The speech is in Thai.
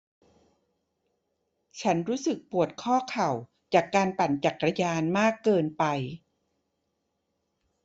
ฉันรู้สึกปวดข้อเข่าจากการปั่นจักรยานมากเกินไป